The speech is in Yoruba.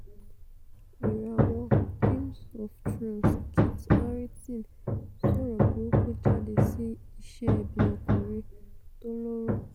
Ìràwọ Games of Thrones Kit Harrington sọ̀rọ̀ burúku jáde sí ìṣebí-ọkùnrin tólóró